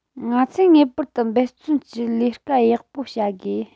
ང ཚོས ངེས པར དུ འབད བརྩོན གྱིས ལས ཀ ཡག པོ བྱ དགོས